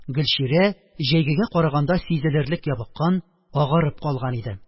Гөлчирә җәйгегә караганда сизелерлек ябыккан, агарып калган иде